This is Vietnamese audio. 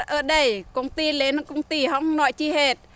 ở đây công ty lên công ty không nói chi hết